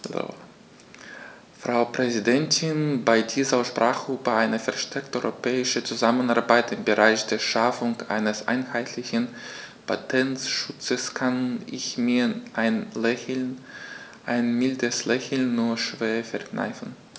Frau Präsidentin, bei dieser Aussprache über eine verstärkte europäische Zusammenarbeit im Bereich der Schaffung eines einheitlichen Patentschutzes kann ich mir ein Lächeln - ein mildes Lächeln - nur schwer verkneifen.